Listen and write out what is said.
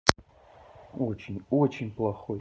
очень очень плохой